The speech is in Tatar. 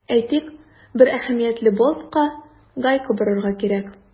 Әйтик, бер әһәмиятле болтка гайка борырга кирәк.